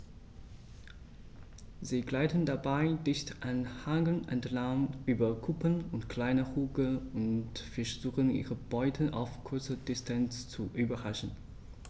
Sie gleiten dabei dicht an Hängen entlang, über Kuppen und kleine Hügel und versuchen ihre Beute auf kurze Distanz zu überraschen.